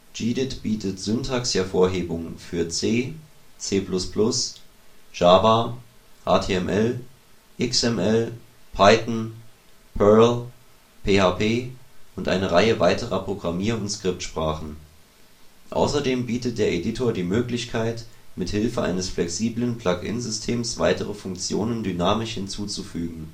gedit bietet Syntaxhervorhebung für C, C++, Java, HTML, XML, Python, Perl, PHP und eine Reihe weiterer Programmier - und Scriptsprachen. Außerdem bietet der Editor die Möglichkeit, mit Hilfe eines flexiblen Plugin-Systems weitere Funktionen dynamisch hinzuzufügen